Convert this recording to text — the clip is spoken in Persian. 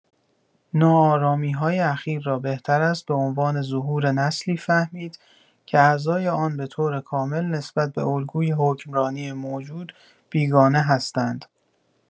ناآرامی‌های اخیر را بهتر است به عنوان ظهور نسلی فهمید که اعضای آن به‌طور کامل نسبت به الگوی حکمرانی موجود بیگانه هستند.